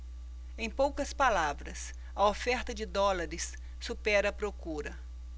em poucas palavras a oferta de dólares supera a procura